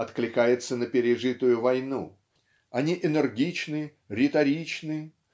откликается на пережитую войну они энергичны риторичны